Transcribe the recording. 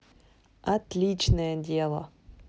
отличное дело